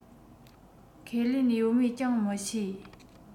ཁས ལེན ཡོད མེད ཀྱང མི ཤེས